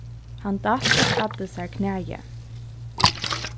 hann datt og skaddi sær knæið